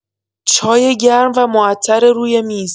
چای گرم و معطر روی میز